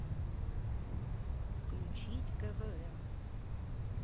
включить квн